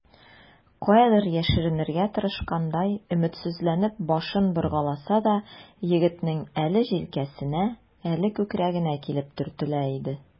Каядыр яшеренергә тырышкандай, өметсезләнеп башын боргаласа да, егетнең әле җилкәсенә, әле күкрәгенә килеп төртелә иде.